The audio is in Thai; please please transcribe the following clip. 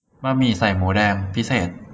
บะหมี่ใส่หมูแดงพิเศษ